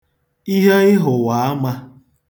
ihe ịhụ̀wàamā